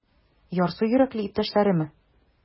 Ярсу йөрәкле иптәшләреме?